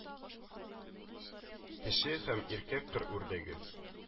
Теше һәм иркәк кыр үрдәге